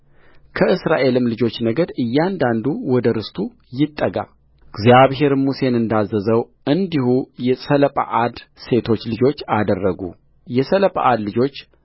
ከእስራኤልም ልጆች ነገድ እያንዳንዱ ወደ ርስቱ ይጠጋእግዚአብሔርም ሙሴን እንዳዘዘው እንዲሁ የሰለጰዓድ ሴቶች ልጆች አደረጉየሰለጰዓድ ልጆች